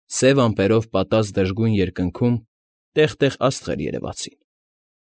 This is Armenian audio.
Սև ամպերով պատված դժգույն երկնքում տեղ֊տեղ աստղեր երևացին։